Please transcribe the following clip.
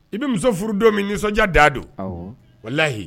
I bɛ muso furu don min nisɔndiya da don wala layi